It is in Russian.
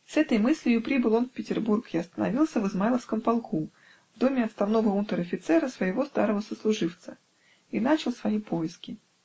С этой мыслию прибыл он в Петербург, остановился в Измайловском полку, в доме отставного унтер-офицера, своего старого сослуживца, и начал свои поиски.